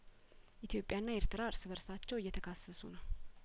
ኢትዮጵያና ኤርትራ እርስ በርሳቸው እየተካሰሱ ነው